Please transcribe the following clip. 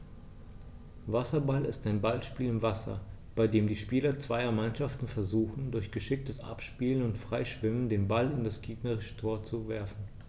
Wasserball ist ein Ballspiel im Wasser, bei dem die Spieler zweier Mannschaften versuchen, durch geschicktes Abspielen und Freischwimmen den Ball in das gegnerische Tor zu werfen.